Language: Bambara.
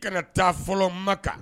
I ka taa fɔlɔ ma kan